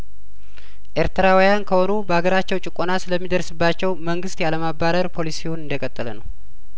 ኤርትራውያን ከሆኑ በአገራቸው ጭቆና ስለሚ ደርስባቸው መንግስት ያለማባረር ፖሊሲውን እንደቀጠለነው